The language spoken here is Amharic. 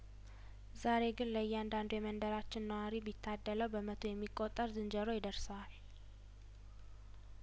ዛሬ ግን ለእያንዳንዱ የመንደራችን ነዋሪ ቢታደለው በመቶ የሚቆጠር ዝንጀሮ ይደርሰዋል